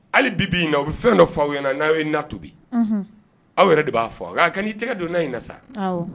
Hali bi bi in na, u bɛ fɛn dɔ f'aw ɲɛna na, n'aw ye na tobi, unhun, aw yɛrɛ de b'a fɔ, a! ka ni tigɛ don na in na sa